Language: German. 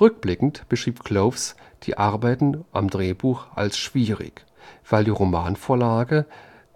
Rückblickend beschrieb Kloves die Arbeiten am Drehbuch als schwierig, weil die Romanvorlage